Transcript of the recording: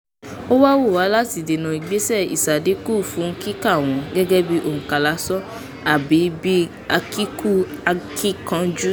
Ó wù wá láti dènà ìgbésẹ̀ ìṣàdínkù fún kíkà wọ́n gẹ́gẹ́ bíi òǹkà lásán àbí bíi akíkú-akíkanjú.